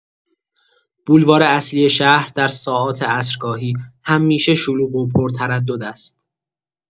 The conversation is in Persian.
بولوار اصلی شهر در ساعات عصرگاهی همیشه شلوغ و پرتردد است.